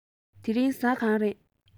དེ རིང གཟའ གང རས